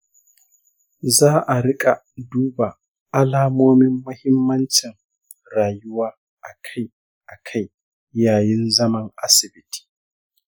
za a riƙa duba alamomin muhimmancin rayuwa akai-akai yayin zaman asibiti.